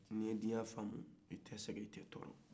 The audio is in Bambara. n'i ye diɲa faamu i tɛ sɛgɛn i tɛ tɔɔrɔ